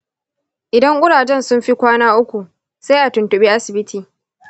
idan kurajen sun fi kwana uku, sai a tuntuɓi asibiti.